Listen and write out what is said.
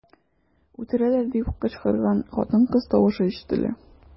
"үтерәләр” дип кычкырган хатын-кыз тавышы ишетелә.